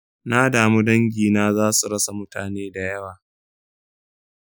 na damu dangi na zasu rasa mutane dayawa.